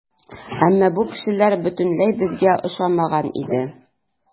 Әмма бу кешеләр бөтенләй безгә охшамаган иде.